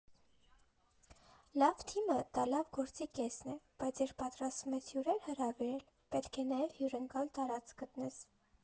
Լավ թիմը լավ գործի կեսն է, բայց երբ պատրաստվում ես հյուրեր հրավիրել, պետք է նաև հյուրընկալ տարածք գտնես։